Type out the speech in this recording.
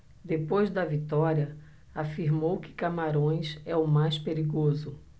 depois da vitória afirmou que camarões é o mais perigoso